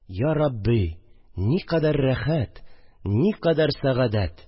Йа Рабби, никадәр рәхәт, никадәр сәгадә